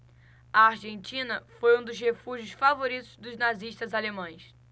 a argentina foi um dos refúgios favoritos dos nazistas alemães